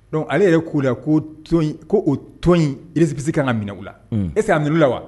Donc ale yɛrɛ k'o la ko, k'o tɔn in récépépissé ka kan ka minɛ u la est-ce que o kɛra wa? wa